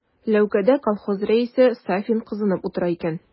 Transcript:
Ләүкәдә колхоз рәисе Сафин кызынып утыра икән.